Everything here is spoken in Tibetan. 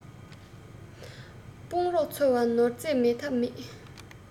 དཔུང རོགས འཚོལ བར ནོར རྫས མེད ཐབས མེད